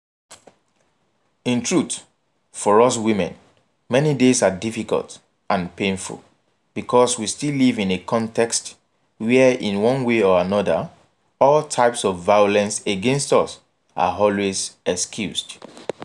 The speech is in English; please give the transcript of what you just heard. In truth, for us women, many days are difficult and painful because we still live in a context where, in one way or another, all types of violence against us are always excused.